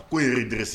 A ko e yɛrɛ de